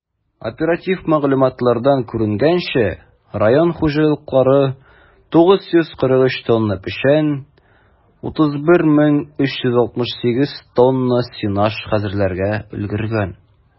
Оператив мәгълүматлардан күренгәнчә, район хуҗалыклары 943 тонна печән, 31368 тонна сенаж хәзерләргә өлгергән.